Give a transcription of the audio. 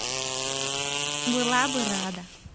была бы рада